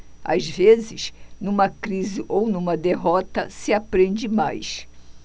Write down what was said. às vezes numa crise ou numa derrota se aprende mais